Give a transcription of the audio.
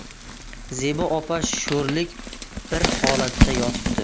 zebi opa sho'rlik bir holatda yotibdi